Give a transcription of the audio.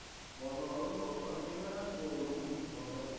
bozorim bozor emas ovulim bozor